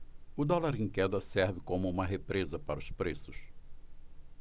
o dólar em queda serve como uma represa para os preços